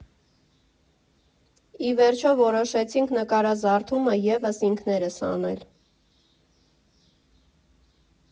Ի վերջո որոշեցինք նկարազարդումը ևս ինքներս անել։